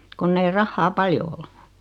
kun ei rahaa paljon ollut